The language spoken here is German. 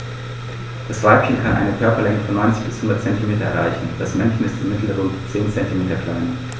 Das Weibchen kann eine Körperlänge von 90-100 cm erreichen; das Männchen ist im Mittel rund 10 cm kleiner.